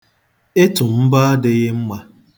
Ịtụ mbọ adịghị mma.